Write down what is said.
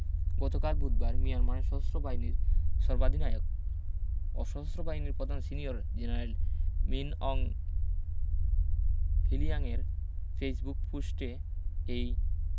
গতকাল বুধবার মিয়ানমারের সশস্ত্র বাহিনীর সর্বাধিনায়ক ও সশস্ত্র বাহিনীর পধান সিনিয়র জেনারেল মিন অং হ্লিয়াংয়ের ফেসবুক পুস্টে এই